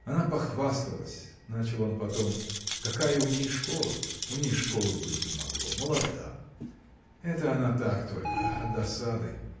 – Она похвасталась, – начал он потом, – какая у ней школа! у ней школы быть не могло: молода! это она так только. от досады!